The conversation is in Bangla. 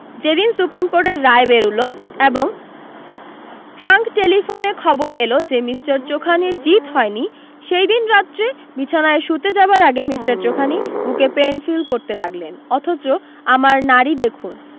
যেদিন সুপ্রিম কোর্টের রায় বেরুলো এবং ট্রাঙ্কটেলিফোনে খবর এলো যে মিষ্টার চোখানির জিত হয়নি সেইদিন রাত্রে বিছানায় শুতে যাবার আগে মিষ্টার চোখানি বুকে পেন ফিল করতে লাগলেন অথচ আমার নাড়ী দেখুন